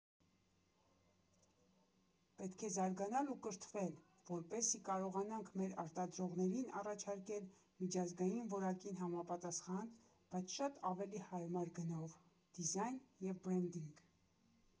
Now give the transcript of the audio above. Պետք է զարգանալ ու կրթվել, որպեսզի կարողանանք մեր արտադրողներին առաջարկել միջազգային որակին համապատասխան, բայց շատ ավելի հարմար գնովդիզայն և բրենդինգ։